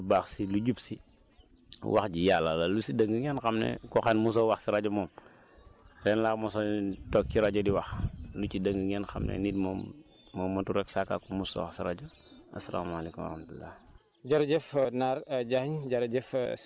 maa ngi nuyu ñëpp di baalu ñëpp àq lu baax si lu jub si wax ji yàlla la lu si dëng ngeen xam ne koo xam ne mosoo wax si rajo moom ren laa mos a toog si rajo di wax lu ci dëng ngeen xam ne nit moom moo motul rek sakkaa ku mosul wax si rajo asalaamaaleykum wa rahmatulah